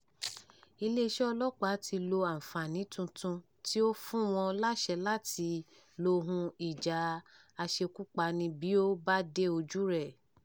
Iléeṣẹ́ ọlọ́pàá ti lo àǹfààní tuntun tí ó fún wọn láṣẹ láti lo ohun ìjà aṣekúpani bí ó bá dé ojú ẹ̀.